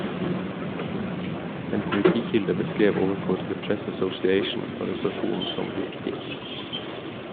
En politikilde beskrev overfor The Press Association arrestasjonen som «viktig».